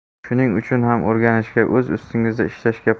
shuning uchun ham o'rganishga o'z ustingizda ishlashga